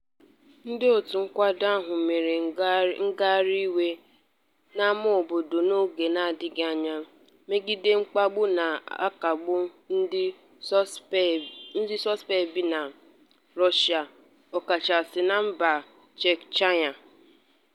Ndị òtù nkwado ahụ mere ngagharị iwe n'ámá obodo n'oge n'adịbeghị anya megide mkpagbu a na-akpagbu ndị susupe bi na Russịa, ọkachasị na mba Chechnya